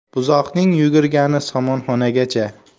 buzoqning yugurgani somonxonagacha